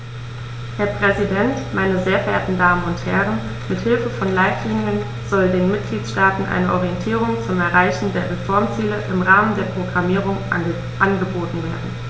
Herr Präsident, meine sehr verehrten Damen und Herren, mit Hilfe von Leitlinien soll den Mitgliedstaaten eine Orientierung zum Erreichen der Reformziele im Rahmen der Programmierung angeboten werden.